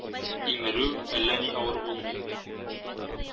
Имерү әллә ни авыр булмый